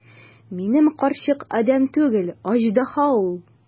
Минем карчык адәм түгел, аждаһа ул!